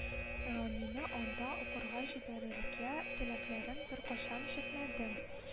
Э мине анда укырга җибәрергә теләкләрен беркайчан ишетмәдем